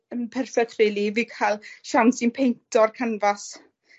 yn perffeth rili i fi ca'l siawns i peinto'r canfas